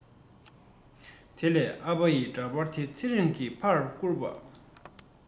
དེ ལས ཨ ཕ ཡི འདྲ པར དེ ཚེ རིང གི ཕར བསྐུར པ